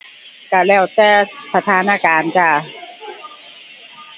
ก็แล้วแต่สถานการณ์จ้า